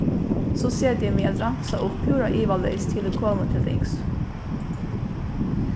so seti eg meg at ramsa upp púra ivaleys til eg komi til ta yngstu